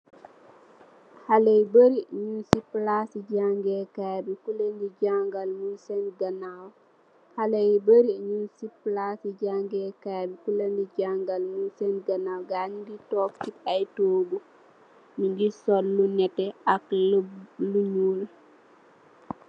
Halleh yu beuri, nying si palaasi jangee kaay bi, kuleni jangal mung sen ganaaw, gaayi nyingi took si aye toaguh, nyungi sol lu nete ak lu nyul.